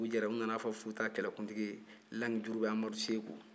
dugu jɛra u nana a fɔ futa kɛlɛkuntigi ye lamijurubɛ amadu seku